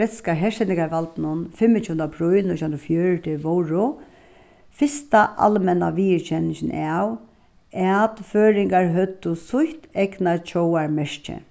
bretska hersetingarvaldinum fimmogtjúgunda apríl nítjan hundrað og fjøruti vóru fyrsta almenna viðurkenningin av at føroyingar høvdu sítt egna tjóðarmerki